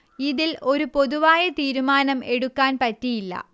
ഇതിൽ ഒരു പൊതുവായ തീരുമാനം എടുക്കാന് പറ്റിയില്ല